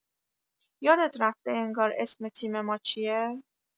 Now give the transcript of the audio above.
یادت رفته انگار اسم تیم ما چیه؟